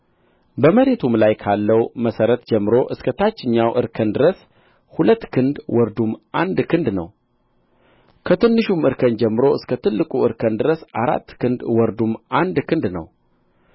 በመሬቱም ላይ ካለው መሠረት ጀምሮ እስከ ታችኛው እርከን ድረስ ሁለት ክንድ ወርዱም አንድ ክንድ ነው ከትንሹም እርከን ጀምሮ እስከ ትልቁ እርከን ድረስ አራት ክንድ ወርዱም አንድ ክንድ ነው